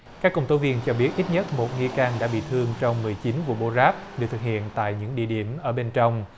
các công tố viên cho biết ít nhất một nghi can đã bị thương trong mười chín vụ bô ráp được thực hiện tại những địa điểm ở bên trong